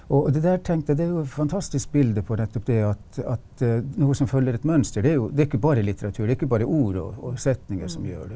og det der tenkte jeg det er jo fantastisk bilde på nettopp det at at noe som følger et mønster det er jo det er ikke bare litteratur det er ikke bare ord og setninger som gjør det.